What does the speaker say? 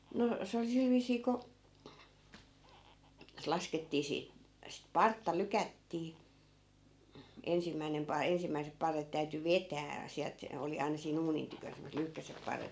no se oli sillä viisiin kun se laskettiin - sitä partta lykättiin ensimmäinen - ensimmäiset parret täytyi vetää sieltä oli aina siinä uunin tykönä semmoiset lyhkäiset parret